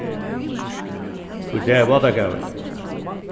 í dag er vátakavi